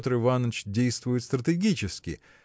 Петр Иваныч действует стратегически